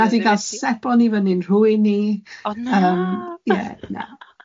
Wnath hi gael sebon i fyny'n rhywun i. O na! Yym ie na.